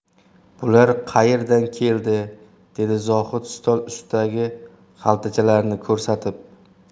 bular qaerdan keldi dedi zohid stol ustidagi xaltachalarni ko'rsatib